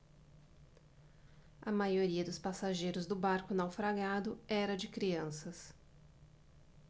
a maioria dos passageiros do barco naufragado era de crianças